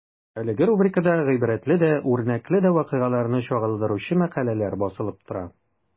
Әлеге рубрикада гыйбрәтле дә, үрнәкле дә вакыйгаларны чагылдыручы мәкаләләр басылып тора.